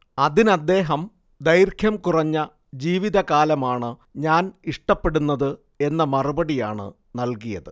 അതിനദ്ദേഹം ദൈർഘ്യം കുറഞ്ഞ ജീവിതകാലമാണ് ഞാൻ ഇഷ്ടപ്പെടുന്നത് എന്ന മറുപടിയാണ് നൽകിയത്